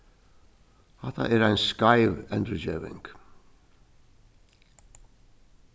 hatta er ein skeiv endurgeving